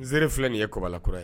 N zere filɛ nin ye Kobala kura yan.